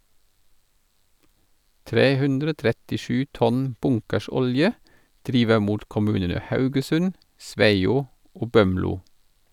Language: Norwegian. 337 tonn bunkersolje driver mot kommunene Haugesund, Sveio og Bømlo.